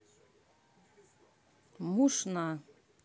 муж на